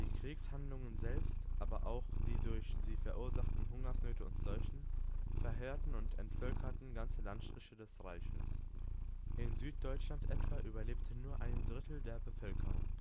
Kriegshandlungen selbst, aber auch die durch sie verursachten Hungersnöte und Seuchen verheerten und entvölkerten ganze Landstriche des Reiches. In Süddeutschland etwa überlebte nur ein Drittel der Bevölkerung